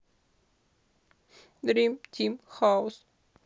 дрим тим хаос